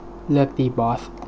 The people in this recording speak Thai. เลือกตีบอส